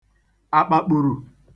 àkpàkpùru